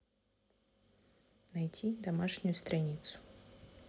найти домашнюю страницу